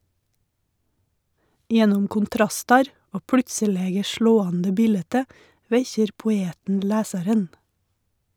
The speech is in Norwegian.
Gjennom kontrastar og plutselege slåande bilete vekkjer poeten lesaren.